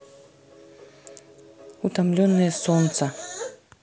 утомленные солнца